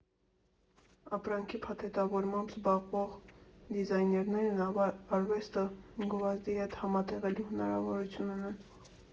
Ապրանքի փաթեթավորմամբ զբաղվով դիզայներներն արվեստը գովազդի հետ համատեղելու հնարավորություն ունեն.